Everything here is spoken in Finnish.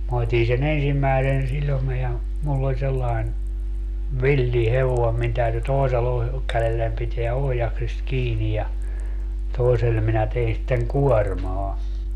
minä otin sen ensimmäisen sitomen ja minulla oli sellainen villi hevonen minun täytyi toisella kädellä pitää ohjaksista kiinni ja toisella minä tein sitten kuormaa